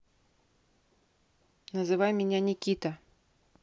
называй меня никита